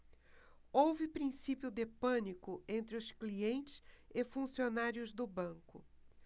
houve princípio de pânico entre os clientes e funcionários do banco